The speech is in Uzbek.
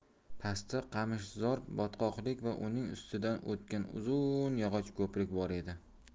pastda qamishzor botqoqlik va uning ustidan o'tgan uzun yog'och ko'prik bor edi